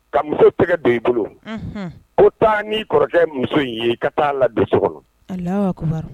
Ka muso tɛgɛ don i bolo ko taa n ni kɔrɔkɛ muso in ye ka taaa la